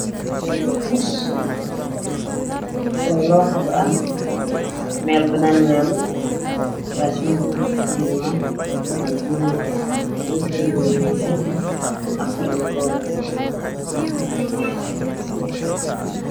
Kursi oo labo xabo ah oo meel banaan ah yaallo kuraasooyinka midabkoodu waa madow Wuxu leeyahay afar lugood